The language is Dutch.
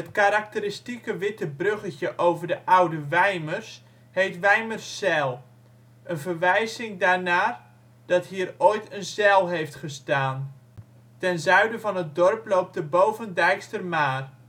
karakteristieke witte bruggeteje over Oude Wijmers heet Wijmerszijl, een verwijzing daarna dat hier ooit een zijl heeft gelegen. Ten zuiden van het dorp loopt de Bovendijkstermaar